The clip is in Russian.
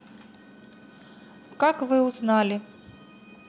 как вы узнали